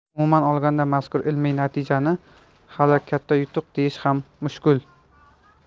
umuman olganda mazkur ilmiy natijani hali katta yutuq deyish ham mushkul